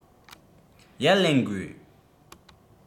ཡར ལེན དགོས